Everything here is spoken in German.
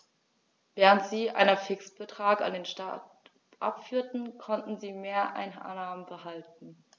Während sie einen Fixbetrag an den Staat abführten, konnten sie Mehreinnahmen behalten.